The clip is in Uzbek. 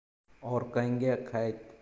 orqangga qayt